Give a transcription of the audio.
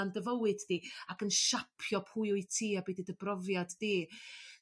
'na yn dy fywyd di ac yn siapio pwy wyt ti a be' 'di dy brofiad di.